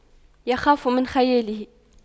يخاف من خياله